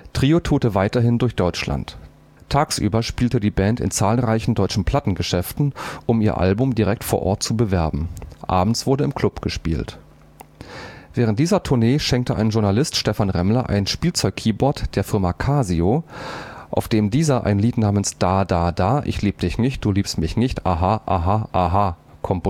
Trio tourte weiterhin durch Deutschland. Tagsüber spielte die Band in zahlreichen deutschen Plattengeschäften, um ihr Album direkt vor Ort zu bewerben. Abends wurde im Club gespielt. Während dieser Tournee schenkte ein Journalist Stephan Remmler ein Spielzeug-Keyboard der Firma Casio, auf dem dieser ein Lied namens „ Da da da ich lieb dich nicht du liebst mich nicht aha aha aha “komponierte